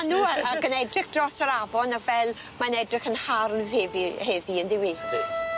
Ma' n'w yy ag yn edrych dros yr afon a fel ma'n edrych yn hardd heddi heddi yndyw i? Ydi.